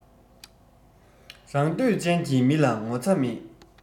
རང འདོད ཅན གྱི མི ལ ངོ ཚ མེད